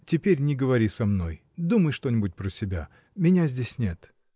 Теперь не говори со мной — думай что-нибудь про себя. Меня здесь нет.